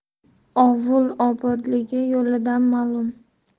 ovul obodligi yo'lidan ma'lum